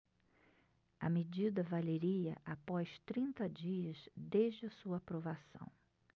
a medida valeria após trinta dias desde a sua aprovação